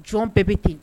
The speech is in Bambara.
Jɔn bɛɛ be ten .